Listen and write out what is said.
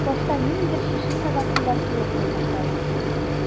Башта ниндидер чишелмәгән уйлар тулып кайнашалар.